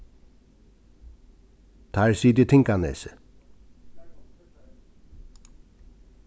teir sita í tinganesi